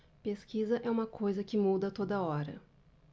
pesquisa é uma coisa que muda a toda hora